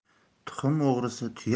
tuxum o'g'risi tuya